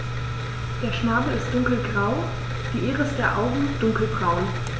Der Schnabel ist dunkelgrau, die Iris der Augen dunkelbraun.